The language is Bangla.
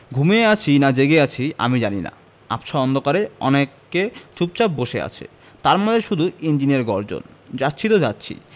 ঘুমিয়ে আছি না জেগে আছি আমি জানি না আবছা অন্ধকারে অনেকে চুপচাপ বসে আছে তার মাঝে শুধু ইঞ্জিনের গর্জন যাচ্ছি তো যাচ্ছি